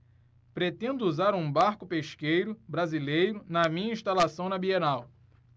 pretendo usar um barco pesqueiro brasileiro na minha instalação na bienal